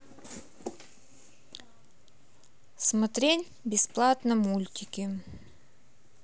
смотреть бесплатно мультики